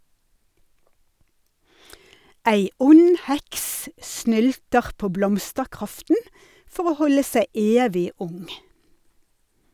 Ei ond heks snylter på blomsterkraften for å holde seg evig ung.